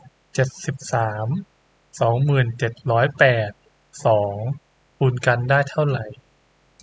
เจ็ดสิบสามสองหมื่นเจ็ดร้อยแปดสองคูณกันได้เท่าไหร่